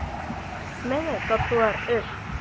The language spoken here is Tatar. Менә таптылар эш!